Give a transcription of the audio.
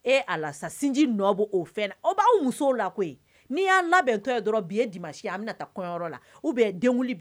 E alasa sinji b' musow la koyi n'i y'a labɛn toya dɔrɔn bi e di masi a taa kɔɲɔyɔrɔ la o bɛ denw